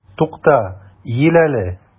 Тукта, иел әле!